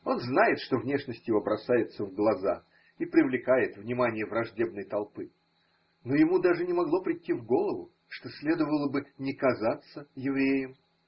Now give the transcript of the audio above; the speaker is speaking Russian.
Он знает, что внешность его бросается и глаза и привлекает внимание враждебной толпы, но ему даже не могло прийти в голову, что следовало бы не казаться евреем.